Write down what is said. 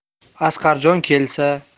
asqarjon kelsa